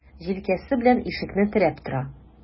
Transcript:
Җилкәсе белән ишекне терәп тора.